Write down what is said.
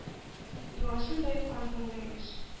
Юансын боеккан күңлегез.